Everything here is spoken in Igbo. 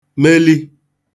meli